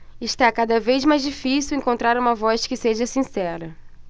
está cada vez mais difícil encontrar uma voz que seja sincera